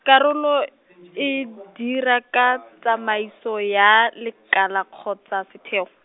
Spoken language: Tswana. karolo, e, dira ka tsamaiso ya lekala kgotsa setheo .